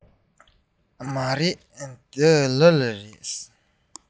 མ རེད འདི ཞི མི རེད